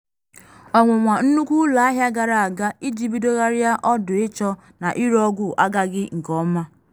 Ọnwụnwa nnukwu ụlọ ahịa gara aga iji bidogharịa ọdụ ịchọ na ịre ọgwụ agaghị nke ọma.